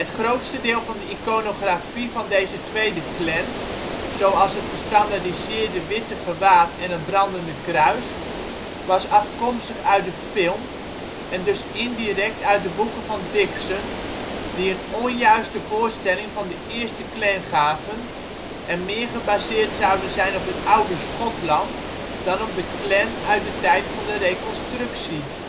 grootste deel van de iconografie van deze tweede Klan - zoals het gestandardiseerde witte gewaad en het brandende kruis - was afkomstig uit de film en dus indirect uit de boeken van Dixon, die een onjuiste voorstelling van de eerste Klan gaven en meer gebaseerd zouden zijn op het oude Schotland dan op de Klan uit de tijd van de Reconstructie